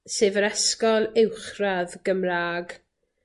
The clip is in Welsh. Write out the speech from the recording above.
sef yr ysgol uwchradd Gymra'g